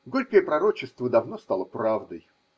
Горькое пророчество давно стало правдой.